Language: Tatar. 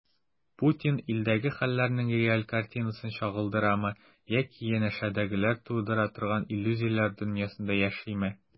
Путин илдәге хәлләрнең реаль картинасын чагылдырамы яки янәшәсендәгеләр тудыра торган иллюзияләр дөньясында яшиме?